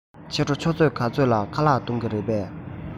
ཕྱི དྲོ ཆུ ཚོད ག ཚོད ལ ཁ ལག གཏོང གི རེད པས